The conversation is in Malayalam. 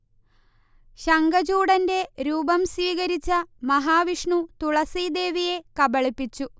ശംഖചൂഢന്റെ രൂപം സ്വീകരിച്ച മഹാവിഷ്ണു തുളസീദേവിയെ കബളിപ്പിച്ചു